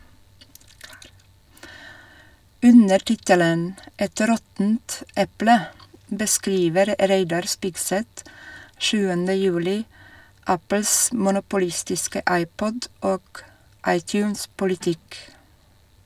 Under tittelen «Et råttent eple» beskriver Reidar Spigseth 7. juli Apples monopolistiske iPod- og iTunes-politikk.